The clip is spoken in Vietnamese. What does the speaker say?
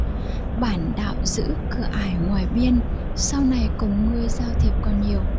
bản đạo giữ cửa ải ngoài biên sau này cùng ngươi giao thiệp còn nhiều